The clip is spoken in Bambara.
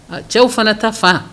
A cɛw fana ta faa